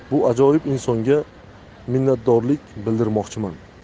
bu ajoyib insonga minnatdorlik bildirmoqchiman